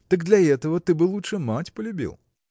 так для этого ты бы лучше мать полюбил.